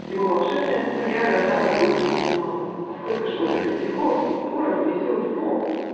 Его волшебная струя Рождала глупостей не мало, А сколько шуток и стихов, И споров, и веселых снов!